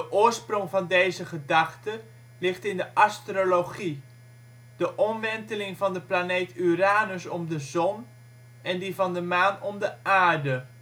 oorsprong van deze gedachte ligt in de astrologie; de omwenteling van de planeet Uranus om de zon en die van de maan om de aarde